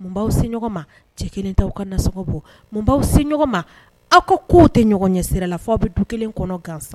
Mun baw se ɲɔgɔn ma? Cɛ kelen taw ka nasɔngɔ bɔ. Mun baw se ɲɔgɔn ma aw ka kow tɛ ɲɔgɔn ɲɛ sira la. Fo aw bi du kelen kɔnɔ gansan.